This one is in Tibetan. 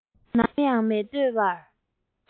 ནམ ཡང མི འདོར བར